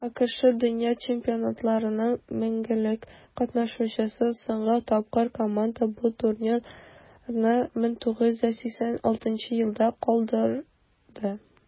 АКШ - дөнья чемпионатларының мәңгелек катнашучысы; соңгы тапкыр команда бу турнирны 1986 елда калдырды.